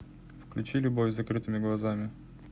включи любовь с закрытыми глазами